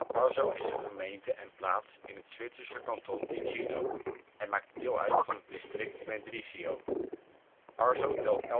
Arzo is een gemeente en plaats in het Zwitserse kanton Ticino, en maakt deel uit van het district Mendrisio. Arzo telt